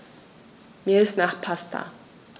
Mir ist nach Pasta.